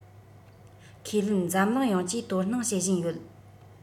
ཁས ལེན འཛམ གླིང ཡོངས ཀྱིས དོ སྣང བྱེད བཞིན ཡོད